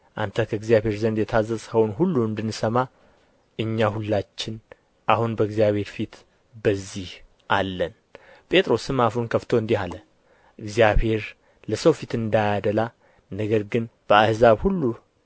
አንተ ከእግዚአብሔር ዘንድ የታዘዝኸውን ሁሉ እንድንሰማ እኛ ሁላችን አሁን በእግዚአብሔር ፊት በዚህ አለን ጴጥሮስም አፉን ከፍቶ እንዲህ አለ እግዚአብሔር ለሰው ፊት እንዳያደላ ነገር ግን በአሕዛብ ሁሉ